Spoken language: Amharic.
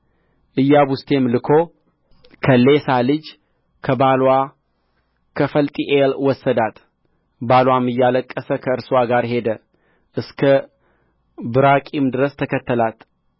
ኢያቡስቴም ልኮ ከሌሳ ልጅ ከባልዋ ከፈልጢኤል ወሰዳት ባልዋም እያለቀሰ ከእርስዋ ጋር ሄደ እስከ ብራቂም ድረስ ተከተላት